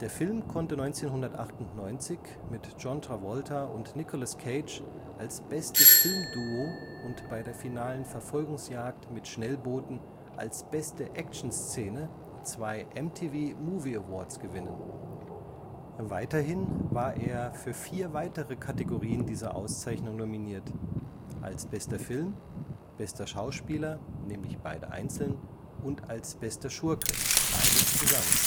Film konnte 1998 mit John Travolta/Nicolas Cage als bestes Filmduo und der finalen Verfolgungsjagd mit Schnellbooten als beste Actionszene zwei MTV Movie Awards gewinnen. Weiterhin war er für vier weitere Kategorien dieser Auszeichnung nominiert, als bester Film, bester Schauspieler (beide einzeln) und als bester Schurke (beide zusammen